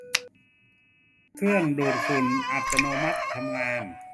เครื่องดูดฝุ่นอัตโนมัติทำงาน